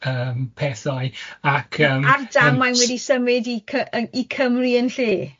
yym pethau, ac yym... Ar damwain wedi symud i Cy- yy i Cymru yn lle?